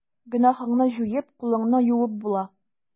Гөнаһыңны җуеп, кулыңны юып була.